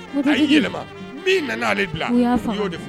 Taa i yɛlɛma min mɛn n'ale bila fa y'o de fɔ